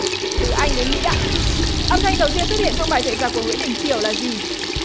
từ anh đến mỹ ạ âm thanh đầu tiên xuất hiện trong bài chạy giặc của nguyễn đình chiểu là gì